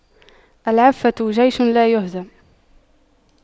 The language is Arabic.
العفة جيش لايهزم